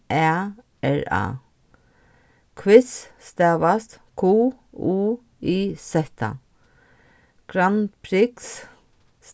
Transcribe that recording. æ r a quiz stavast q u i z